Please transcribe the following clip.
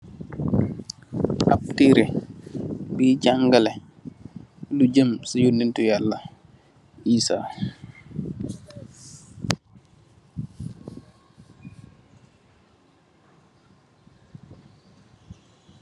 Ap terreh bui jangaleh lu jám ci yonenteh Yalla Isa.